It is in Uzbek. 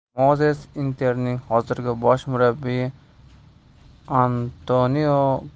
mozes inter ning hozirgi bosh murabbiyi antonio